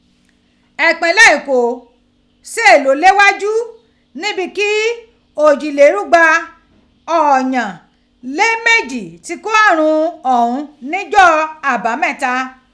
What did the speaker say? Ipinlẹ Eko si lo leghaju nibi ki ojilelugba eeyan le meji ti ko arun ọhun nijọ Abamẹta.